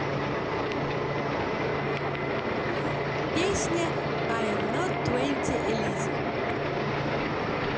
песня i'm not twenty alizée